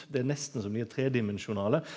det nesten som dei er tredimensjonale.